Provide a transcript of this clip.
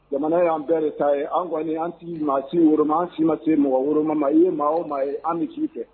Jamana y'an bɛɛ de ta ye an kɔni an sigi maa si woroma an si ma se mɔgɔ woroma ma i ye maa o maa ye an bɛ ci kɛ